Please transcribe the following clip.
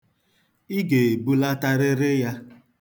Ị ga-ebulatarịrị ya.